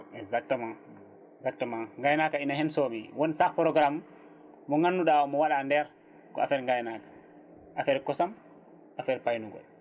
exactement exactement gaynaka ina hen soomi won saah programme mo ganduɗa o mo waɗa nder ko affaire gaynaka affaire kosam affaire paynugol